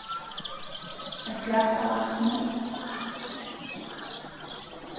eitt glas av vatni